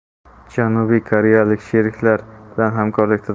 janubiy koreyalik sheriklar bilan hamkorlikda